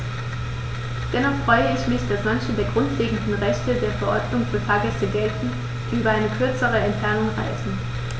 Dennoch freue ich mich, dass manche der grundlegenden Rechte der Verordnung für Fahrgäste gelten, die über eine kürzere Entfernung reisen.